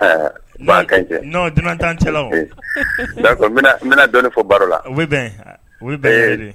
ɛɛ n b'a ka no dunantancɛlaw n y'a bɛna dɔn fɔ baro la bɛn u bɛ